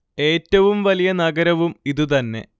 ഏറ്റവും വലിയ നഗരവും ഇതു തന്നെ